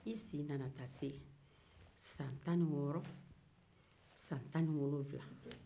i si nana taa se san tanniwɔɔrɔ san tanniwolonwula